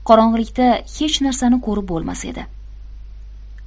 qorong'ilikda hech narsani ko'rib bo'lmas edi